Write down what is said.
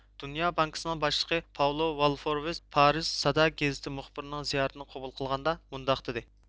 دۇنيا بانكىسىنىڭ باشلىقى پاۋلو ۋولفورۋېز پارىژ سادا گېزىتى مۇخبىرىنىڭ زىيارىتىنى قوبۇل قىلغاندا مۇنداق دېدى